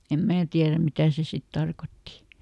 en minä tiedä mitä se sitten tarkoitti